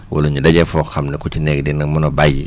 wala ñu daje foo xam ne ku ci nekk dina mun a bàyyi